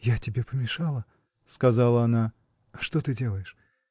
— Я тебе помешала, — сказала она. — Что ты делаешь?